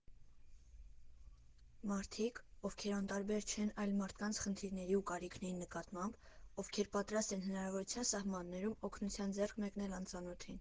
Մարդիկ, ովքեր անտարբեր չեն այլ մարդկանց խնդիրների ու կարիքների նկատմամբ, ովքեր պատրաստ են հնարավորության սահմաններում օգնության ձեռք մեկնել անծանոթին։